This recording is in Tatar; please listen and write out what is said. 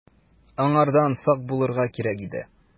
Аңардан сак булырга кирәк иде.